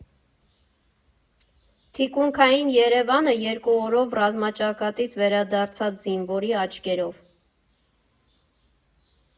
Թիկունքային Երևանը՝ երկու օրով ռազմաճակատից վերադարձած զինվորի աչքերով։